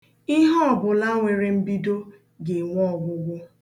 Ihe ọbụla nwere mbido ga-enwe ọgwụgwụ.